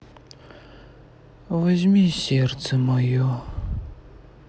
возьми сердце мое